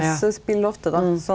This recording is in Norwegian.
ja .